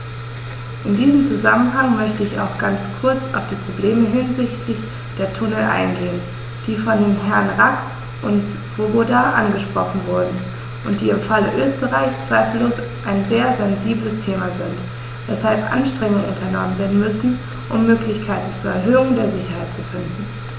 In diesem Zusammenhang möchte ich auch ganz kurz auf die Probleme hinsichtlich der Tunnel eingehen, die von den Herren Rack und Swoboda angesprochen wurden und die im Falle Österreichs zweifellos ein sehr sensibles Thema sind, weshalb Anstrengungen unternommen werden müssen, um Möglichkeiten zur Erhöhung der Sicherheit zu finden.